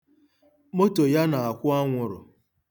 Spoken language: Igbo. Moto ya na-akwụ anwụrụ.